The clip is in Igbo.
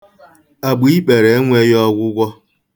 Agbaikpere enweghị ọgwụgwọ.